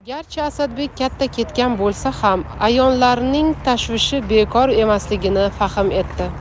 garchi asadbek katta ketgan bo'lsa ham ayo'nlarining tashvishi bekor emasligini fahm etdi